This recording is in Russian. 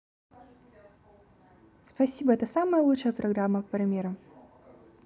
спасибо это самая лучшая программа по примерам